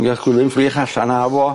Ni gath Gwilym ffrich allan a fo.